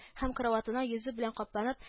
Һәм, караватына йөзе белән капланып